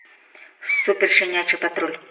супер щенячий патруль